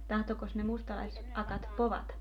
tahtoikos ne mustalaisakat povata